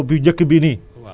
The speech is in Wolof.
mu ngi gën di jafe rekk